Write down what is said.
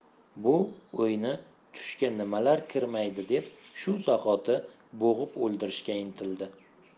bu o'yni tushga nimalar kirmaydi deb shu zahoti bo'g'ib o'ldirishga intildi